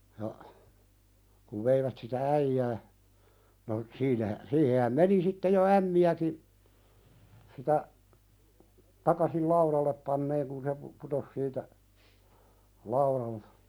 ja kun veivät sitä äijää no siinähän siihenhän meni sitten jo ämmiäkin sitä takaisin laudalle panemaan kun se - putosi siitä laudalta